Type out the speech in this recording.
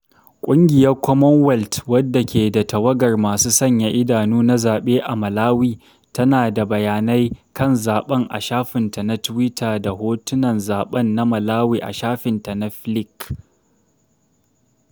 Ƙungiyar Commonwealth, wadda ke da tawagar masu sanya idanu na zaɓe a Malawi, tana da bayanai kan zaɓen a shafinta na twitter da hotunan zaɓe na Malawi a shafinta na Flickr.